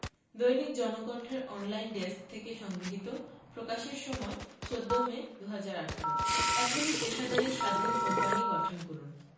দৈনিক জনকণ্ঠের online desk হতে সংগৃহীত প্রকাশের সময় ১৪ মে ২০১৮ এখনই পেশাদারি স্বাধীন কোম্পানি গঠন করুন